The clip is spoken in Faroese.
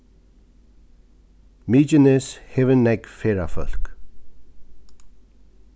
mykines hevur nógv ferðafólk